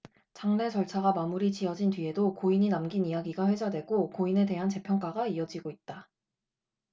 장례 절차가 마무리지어진 뒤에도 고인이 남긴 이야기가 회자되고 고인에 대한 재평가가 이어지고 있다